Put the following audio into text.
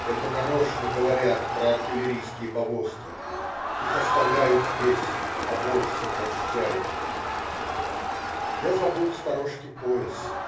Это нарочно говорят про артиллерийские повозки, их оставляют здесь, обоз сокращают. " Я забыл в сторожке пояс.